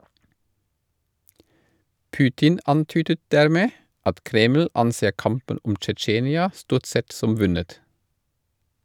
Putin antydet dermed at Kreml anser kampen om Tsjetsjenia stort sett som vunnet.